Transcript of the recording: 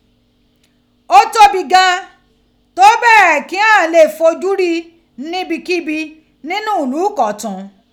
O tobi gan to bẹẹ ki ghan lee foju rii nibi kibi ninu ilu Ìkọ̀tún.